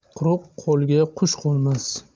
quruq qo'lga qush qo'nmas